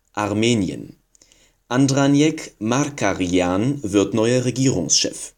Armenien: Andranik Markarjan wird neuer Regierungschef